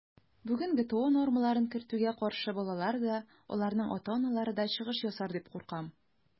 Бүген ГТО нормаларын кертүгә каршы балалар да, аларның ата-аналары да чыгыш ясар дип куркам.